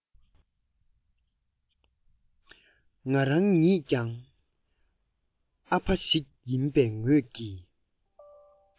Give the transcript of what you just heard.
ང རང ཉིད ཀྱང ཨ ཕ ཞིག ཡིན པའི ངོས ཀྱི